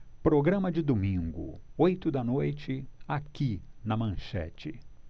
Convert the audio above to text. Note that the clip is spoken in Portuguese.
programa de domingo oito da noite aqui na manchete